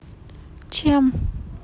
чем